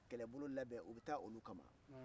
kɛlɛ bolo labɛn u bɛ taa olu ka ma